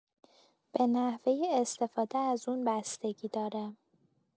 به نحوه استفاده از اون بستگی داره.